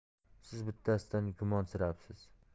siz bittasidan gumonsirabsiz